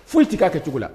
Foli foyi tɛ k'a kɛcogo la